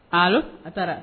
A a taara